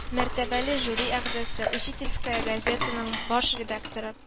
Мәртәбәле жюри әгъзасы, учительская газетаның баш редакторы